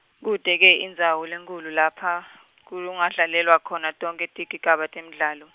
Kute-ke indzawo lenkhulu lapha, kungadlalelwa khona tonkhe tigigaba temidlalo.